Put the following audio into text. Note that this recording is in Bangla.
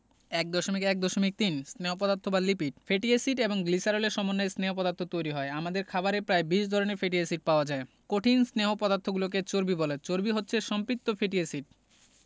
১.১.৩ স্নেহ পদার্থ বা লিপিড ফ্যাটি এসিড এবং গ্লিসারলের সমন্বয়ে স্নেহ পদার্থ তৈরি হয় আমাদের খাবারে প্রায় ২০ ধরনের ফ্যাটি এসিড পাওয়া যায় কঠিন স্নেহ পদার্থগুলোকে চর্বি বলে চর্বি হচ্ছে সম্পৃক্ত ফ্যাটি এসিড